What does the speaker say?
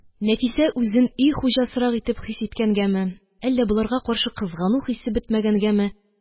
Нәфисә үзен өй хуҗасырак итеп хис иткәнгәме, әллә боларга каршы кызгану хисе бетмәгәнгәме: